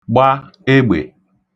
gba egbè